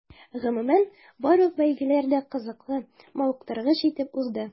Гомумән, барлык бәйгеләр дә кызыклы, мавыктыргыч итеп узды.